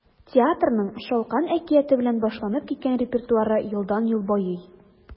Театрның “Шалкан” әкияте белән башланып киткән репертуары елдан-ел байый.